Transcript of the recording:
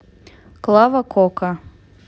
клава кока